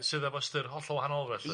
Sydd efo ystyr hollol wahanol felly?